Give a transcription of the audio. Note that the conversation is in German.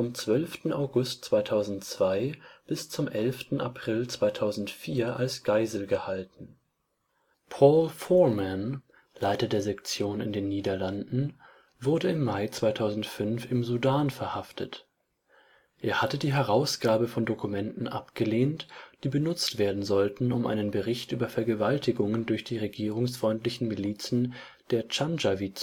12. August 2002 bis zum 11. April 2004 als Geisel gehalten. Paul Foreman, Leiter der Sektion in den Niederlanden, wurde im Mai 2005 im Sudan verhaftet. Er hatte die Herausgabe von Dokumenten abgelehnt, die benutzt werden sollten, um einen Bericht über Vergewaltigungen durch die regierungsfreundlichen Milizen der Dschandschawid